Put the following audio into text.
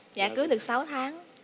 dạ cưới được sáu tháng